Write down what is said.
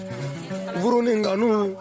Furuin n